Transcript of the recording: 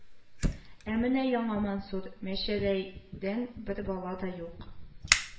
Ә менә Яңа Мансур, Мәчәләй дән бер бала да юк